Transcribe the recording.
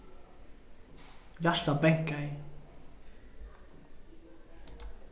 hjartað bankaði